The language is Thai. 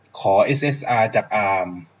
ขอเอสเอสอาจากอาม